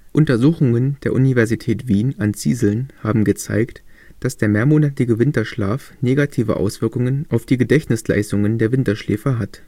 Untersuchungen der Universität Wien an Zieseln haben gezeigt, dass der mehrmonatige Winterschlaf negative Auswirkungen auf die Gedächtnisleistungen der Winterschläfer hat